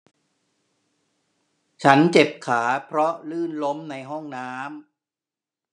ฉันเจ็บขาเพราะลื่นล้มในห้องน้ำ